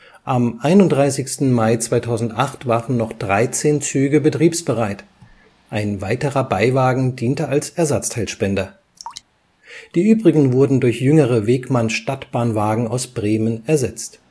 Am 31. Mai 2008 waren noch 13 Züge betriebsbereit, ein weiterer Beiwagen diente als Ersatzteilspender. Die übrigen wurden durch jüngere Wegmann-Stadtbahnwagen aus Bremen ersetzt